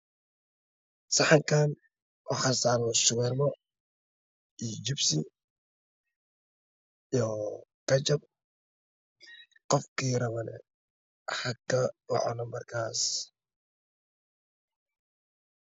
Saxankan waxaa saaran shuwaarmo iyo barandho iyo suugo midabkiisa wacdaan